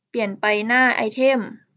เปลี่ยนไปหน้าไอเทม